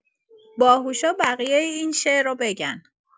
باهوشا بقیه این شعر رو بگن.